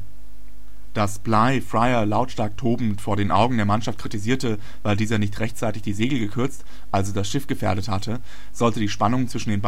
Bligh Fryer lautstark tobend vor den Augen der Mannschaft kritisierte, weil dieser nicht rechtzeitig die Segel gekürzt, also das Schiff gefährdet hatte, sollte die Spannungen zwischen